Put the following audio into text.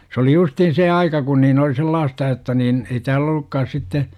se oli justiin se aika kun niin oli sellaista jotta niin ei täällä ollutkaan sitten